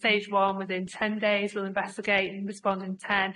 Stage one, within ten days, we'll investigate and respond in ten.